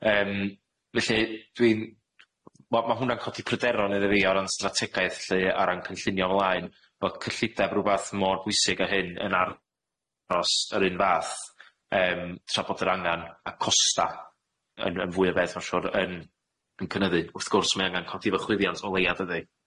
Yym felly dwi- ma' ma' hwn'na'n codi pryderon iddy fi o ran strategaeth lly, o ran cynllunio mlaen, bod cyllideb rwbath mor bwysig â hyn yn ar- ros yr un fath, yym tra bod yr angan a costa' yn yn fwy o beth ma'n siŵr, yn yn cynyddu. Wrth gwrs ma' angan codi 'fo chwyddiant o leia, dydi?